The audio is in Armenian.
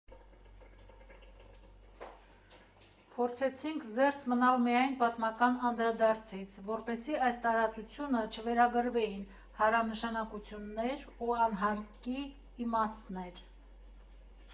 Փորձեցինք զերծ մնալ միայն պատմական անդրադարձից, որպեսզի այս տարածությանը չվերագրվեին հարանշանակություններ ու անհարկի իմաստներ։